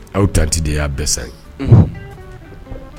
Aw tati de y'a bɛɛ sa ye